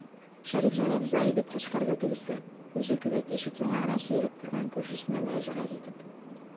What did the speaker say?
Шәрифҗан абзый, - дип кычкырды тегесе, үзе кебек ишек яңагына сөялеп торган күршесенә мөрәҗәгать итеп.